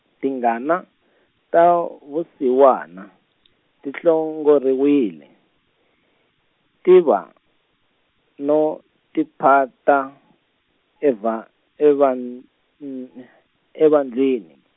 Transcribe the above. tingana, ta vusiwana, ti hlongoriwile, tiva, no tiphata, evha- evan- n- evanhwini.